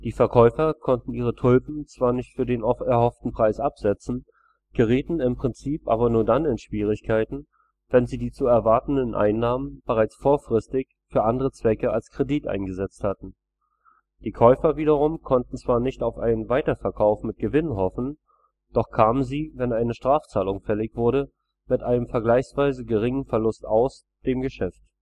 Verkäufer konnten ihre Tulpen zwar nicht für den erhofften Preis absetzen, gerieten im Prinzip aber nur dann in Schwierigkeiten, wenn sie die zu erwartenden Einnahmen bereits vorfristig für anderen Zwecke als Kredit eingesetzt hatten. Die Käufer wiederum konnten zwar nicht auf einen Weiterverkauf mit Gewinn hoffen, doch kamen sie, wenn eine Strafzahlung fällig wurde, mit einem vergleichsweise geringen Verlust aus dem Geschäft